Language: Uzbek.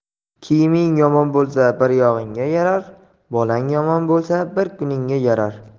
kiyiming yomon bo'lsa bir yog'ingga yarar bolang yomon bo'lsa bir kuningga yarar